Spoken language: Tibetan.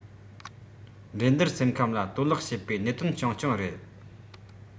འགྲན བསྡུར སེམས ཁམས ལ གཏོར བརླག བྱེད པའི གནད དོན རྐྱང རྐྱང རེད